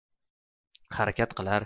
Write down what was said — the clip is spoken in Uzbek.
harakat qilar